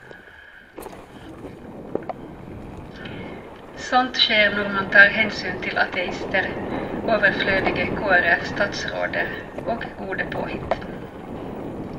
Sånt skjer når man tar hensyn til ateister, overflødige KrF-statsråder og gode påhitt.